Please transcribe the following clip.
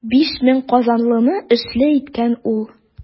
Биш меңләп казанлыны эшле иткән ул.